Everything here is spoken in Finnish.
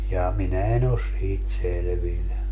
jaa minä en ole siitä selvillä